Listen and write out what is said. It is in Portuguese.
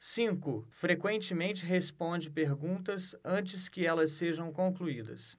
cinco frequentemente responde perguntas antes que elas sejam concluídas